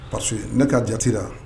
Pa ne ka jatera